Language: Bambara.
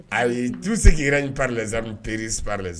Ayi tuu se kaira ni parri z pereripri z